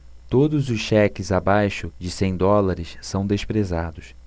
todos os cheques abaixo de cem dólares são desprezados